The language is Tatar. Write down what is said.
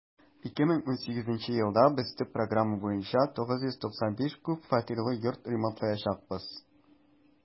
2018 елда без төп программа буенча 995 күп фатирлы йорт ремонтлаячакбыз.